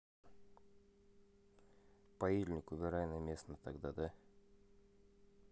поильник убирай на место тогда да